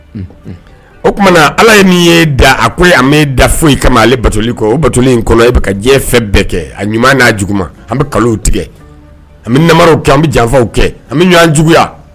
O tumana allah min ye e da, a ko an tɛ da foyi kama ale batoli kɔ, o batoli in kɔnɔ e bɛ ka diɲɛ fɛn bɛɛ kɛ , a ɲuman n'a juguman, an bɛ nkalow tigɛ, an bɛ namaraw kɛ, an bɛ janfaw kɛ, an bɛ ɲɔn juguya!